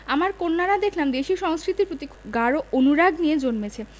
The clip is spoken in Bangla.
আমার কন্যারা দেখলাম দেশীয় সংস্কৃতির প্রতি গাঢ় অনুরাগ নিয়ে জন্মেছে